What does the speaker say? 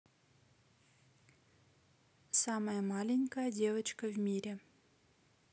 самая маленькая девочка в мире